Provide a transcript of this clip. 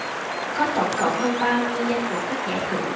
có tổng cộng hơn ba mươi danh mục các giải thưởng